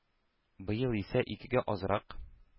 Быел исә икегә азрак.